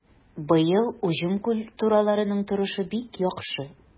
Быел уҗым культураларының торышы бик яхшы.